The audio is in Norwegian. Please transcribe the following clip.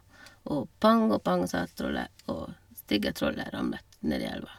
Og pang og pang sa trollet, og det stygge trollet ramlet nedi elva.